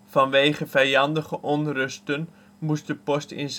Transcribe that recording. Vanwege vijandige onrusten moest de post in